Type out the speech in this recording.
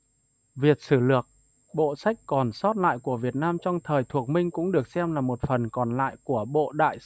việt sử lược bộ sách còn sót lại của việt nam trong thời thuộc minh cũng được xem là một phần còn lại của bộ đại